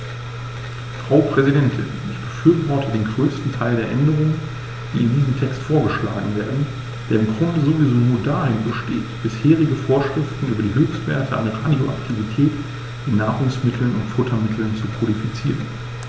Frau Präsidentin, ich befürworte den größten Teil der Änderungen, die in diesem Text vorgeschlagen werden, der im Grunde sowieso nur darin besteht, bisherige Vorschriften über die Höchstwerte an Radioaktivität in Nahrungsmitteln und Futtermitteln zu kodifizieren.